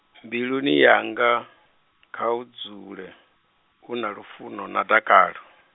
mbiluni yanga, khahu dzule, huna lufuno na dakalo.